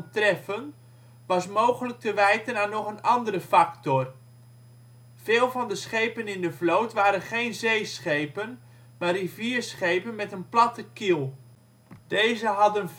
treffen was mogelijk te wijten aan nog een andere factor. Veel van de schepen in de vloot waren geen zeeschepen, maar rivierschepen met een platte kiel. Deze hadden